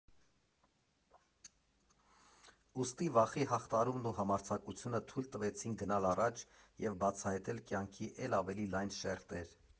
Ուստի վախի հաղթահարումն ու համարձակությունը թույլ տվեցին գնալ առաջ և բացահայտել կյանքի էլ ավելի լայն շերտեր։